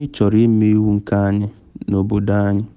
Anyị chọrọ ịme iwu nke anyị n’obodo anyị.’